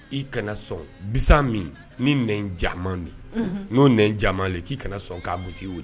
I kana sɔn bi min ni n jaa de n'o n jama de k'i kana sɔn k'a gosi o de